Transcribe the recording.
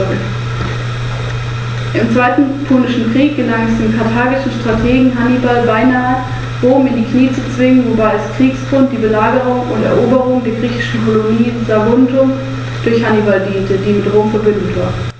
Durch das Rahmenkonzept des Biosphärenreservates wurde hier ein Konsens erzielt.